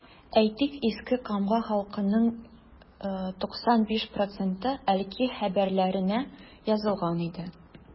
Әйтик, Иске Камка халкының 95 проценты “Әлки хәбәрләре”нә язылган инде.